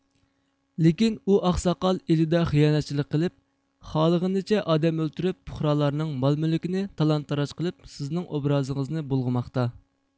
لېكىن ئۇ ئاقساقال ئىلىدا خىيانەتچىلىك قىلىپ خالىغىنىچە ئادەم ئۆلتۈرۈپ پۇقرالارنىڭ مال مۈلكىنى تالان تاراج قىلىپ سىزنىڭ ئوبرازىڭىزنى بۇلغىماقتا